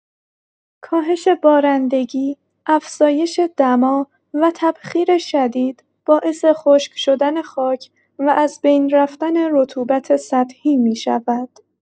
کاهش بارندگی، افزایش دما و تبخیر شدید باعث خشک‌شدن خاک و از بین رفتن رطوبت سطحی می‌شود.